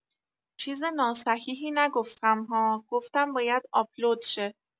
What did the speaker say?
چیز ناصحیحی نگفتم ها گفتم باید آپلود شه